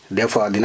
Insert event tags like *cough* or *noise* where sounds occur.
*hesitation* *hesitation*